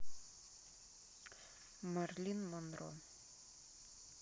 marilyn monroe